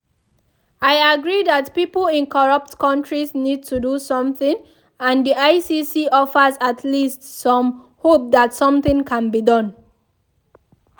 I agree that people in corrupt countries need to do something and the ICC offers at least some hope that something can be done.